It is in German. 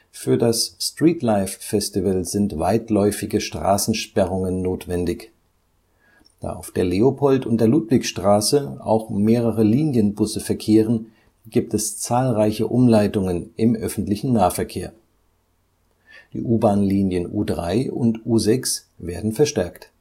Für das Streetlife Festival sind weitläufige Straßensperrungen notwendig. Da auf der Leopold - und der Ludwigstraße auch mehrere Linienbusse verkehren, gibt es zahlreiche Umleitungen im öffentlichen Nahverkehr. Die U-Bahn-Linien U3 und U6 werden verstärkt